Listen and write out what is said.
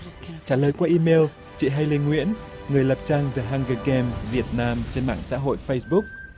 trả lời qua i mêu chị hay lê nguyễn người lập trang giờ hăn gờ ghêm việt nam trên mạng xã hội phây búc